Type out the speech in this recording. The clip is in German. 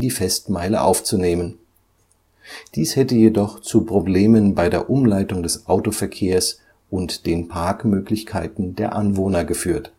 Festmeile aufzunehmen. Dies hätte jedoch zu Problemen bei der Umleitung des Autoverkehrs und den Parkmöglichkeiten der Anwohner geführt